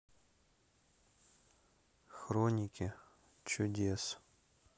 хроники чудес